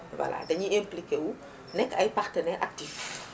voilà dañuy impliqué wu nekk ay partenaires actifs